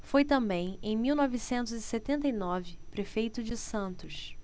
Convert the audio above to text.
foi também em mil novecentos e setenta e nove prefeito de santos